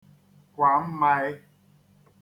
kwà maị